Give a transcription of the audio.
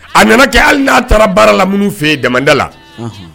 A nana kɛ hali n'a taara baara la minnu fɛ yen damanda la, unhun